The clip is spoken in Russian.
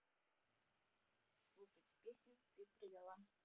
слушать песню ты предала